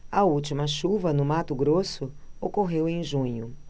a última chuva no mato grosso ocorreu em junho